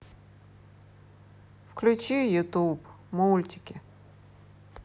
включи ютуб мультики